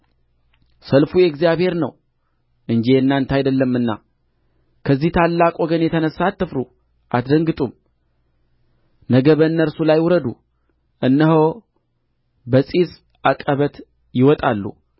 ሰልፉ የእግዚአብሔር ነው እንጂ የእናንተ አይደለምና ከዚህ ታላቅ ወገን የተነሣ አትፍሩ አትደንግጡም ነገ በእነርሱ ላይ ውረዱ እነሆ በጺጽ ዓቀበት ይወጣሉ